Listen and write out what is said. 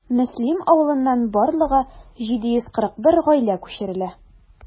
Мөслим авылыннан барлыгы 741 гаилә күчерелә.